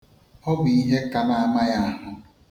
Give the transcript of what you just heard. Ọ bụ ihe ka na-ama ya ahụ.